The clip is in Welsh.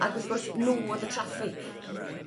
Ag wrth gwrs nw oedd y traffig.